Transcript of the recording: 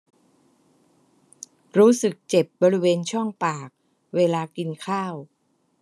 รู้สึกเจ็บบริเวณช่องปากเวลากินข้าว